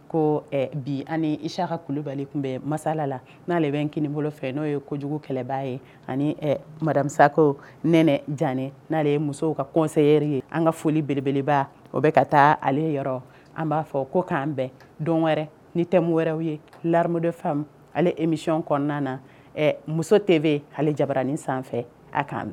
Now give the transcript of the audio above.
Bika kulubali tun bɛ masaale n bolo fɛ n'o ye kojugu kɛlɛbaga ye anidamasa nɛnɛ jan n'aale ye musow ka kɔri ye an ka foli belebeleba o bɛ ka taa ale yɔrɔ an b'a fɔ ko k'an bɛn dɔn wɛrɛ ni tɛ wɛrɛw ye la famu ale emiyɔn kɔnɔna na muso tɛ bɛ yen hali jaranin sanfɛ a'an